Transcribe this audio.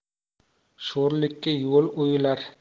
sho'rlikka yo'l o'yilar